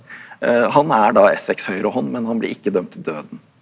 han er da Essexs høyre hånd, men han blir ikke dømt til døden.